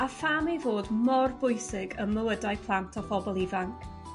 a pham ei fod mor bwysig ym mywydau plant o phobol ifanc.